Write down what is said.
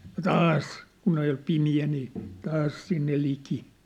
ja taas kun on jo pimeä niin taas sinne liki